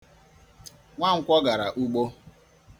Nwankwọ gara ugbo.